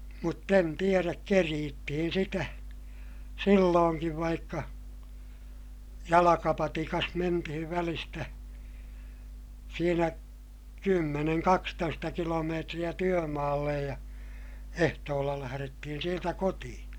mutta en tiedä kerittiin sitä silloinkin vaikka jalkapatikassa mentiin välistä siinä kymmenen kaksitoista kilometriä työmaalle ja ehtoolla lähdettiin sieltä kotiin